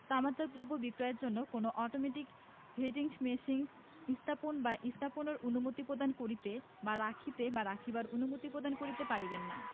তামাকজাত দ্রব্য বিক্রয়ের জন্য কোন অটোমেটিক ভেন্ডিং মেশিন স্থাপন বা স্থাপনের অনুমতি প্রদান করিতে বা রাখিতে বা রাখিবার অনুমতি প্রদান করিতে পারিবে না